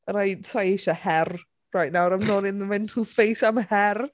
A rhaid... sa i eisiau her right nawr. I'm not in the mental space am her.